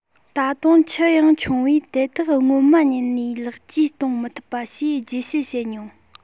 ད དུང ཁྱུ ཡང ཆུང བས དེ དག སྔོན མ ཉིད ནས ལེགས བཅོས གཏོང མི ཐུབ ཞེས རྒྱས བཤད བྱེད མྱོང